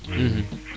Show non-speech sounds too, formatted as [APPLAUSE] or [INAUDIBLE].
[HESITATION] [HESITATION]